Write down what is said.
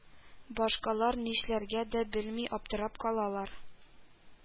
Башкалар нишләргә дә белми аптырап калалар